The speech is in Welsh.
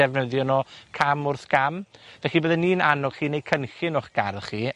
defnyddio nhw cam wrth gam. Felly, byddwn i'n annog chi wneu' cynllun o'ch gardd chi,